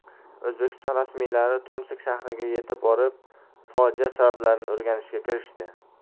o'zbekiston rasmiylari tomsk shahriga yetib borib fojia sabablarini o'rganishga kirishdi